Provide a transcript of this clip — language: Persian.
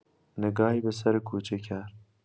نگاهی به سر کوچه کرد.